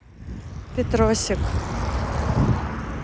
петросик